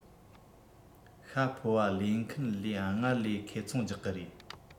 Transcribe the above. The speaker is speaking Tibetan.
ཤྭ ཕོ བ ལས ཁས ལེན སྔར བས ཁེ ཚོང རྒྱག གི རེད